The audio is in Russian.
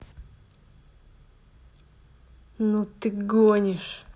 ну ты гонишь